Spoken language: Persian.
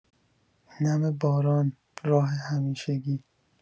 نم باران، راه همیشگی